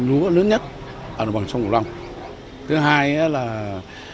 lúa lớn nhất ở đồng bằng sông cửu long thứ hai á là